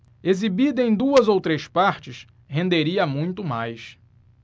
exibida em duas ou três partes renderia muito mais